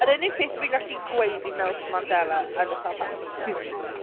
Yr unig peth dwi'n gallu gweud yw Nelson Mandela yn y South African accent.